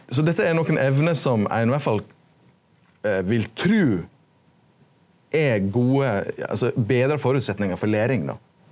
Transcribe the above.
så dette er nokon evner som ein iallfall vil tru er gode altså betrar føresetnader for læring då.